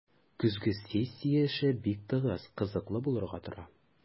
Көзге сессия эше бик тыгыз, кызыклы булырга тора.